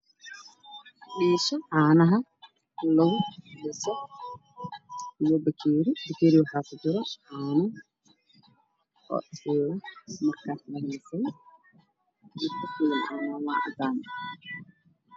Waa dhiisha caanaha lagu shubo midabkeedu yahay madow waxaa ogyahay baketi caano ku jiraan oo cadaan ah